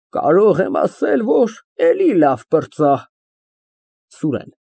Կարող եմ ասել, որ էլի լավ պրծա… ՍՈՒՐԵՆ ֊